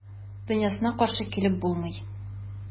Дөньясына каршы килеп булмый.